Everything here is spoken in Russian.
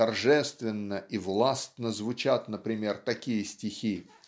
торжественно и властно звучат например такие стихи